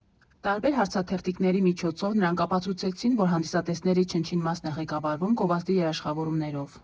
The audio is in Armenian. Տարբեր հարցաթերթիկների միջոցով նրանք ապացուցեցին, որ հանդիսատեսների չնչին մասն է ղեկավարվում գովազդի երաշխավորումներով։